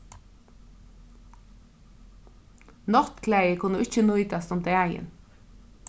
náttklæðir kunnu ikki nýtast um dagin